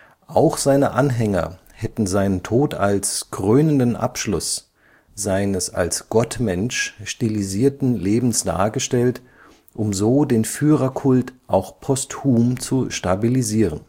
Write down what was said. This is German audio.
Auch seine Anhänger hätten seinen Tod als „ krönenden Abschluss “seines als Gottmensch stilisierten Lebens dargestellt, um so den Führerkult auch posthum zu stabilisieren